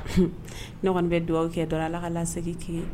Un ne kɔni bɛ dugawu kɛ dɔn ala ka lase' ye